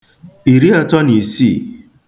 ìrìatọ̀ nà ìsiì